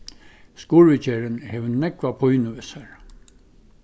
skurðviðgerðin hevur nógva pínu við sær